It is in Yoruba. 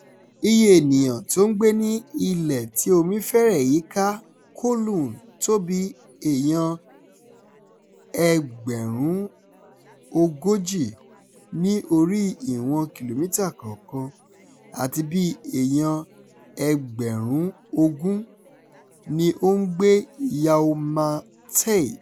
Iye ènìyàn tí ó ń gbé ní ilẹ̀-tí-omí-fẹ́rẹ̀ẹ́-yíká Kowloon tó bíi èèyàn 40,000 ní orí ìwọ̀n kìlómítà kọ̀ọ̀kan, àti bí i ènìyàn 20,000 ni ó ń gbé Yau Ma Tei.